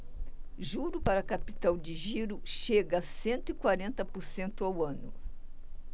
juro para capital de giro chega a cento e quarenta por cento ao ano